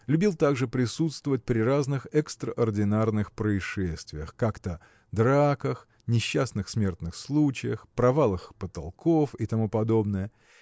любил также присутствовать при разных экстраординарных происшествиях как-то драках несчастных смертных случаях провалах потолков и т.п.